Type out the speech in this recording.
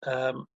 yym